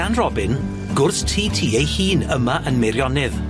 gan Robin gwrs Tee Tee ei hun yma yn Meirionnydd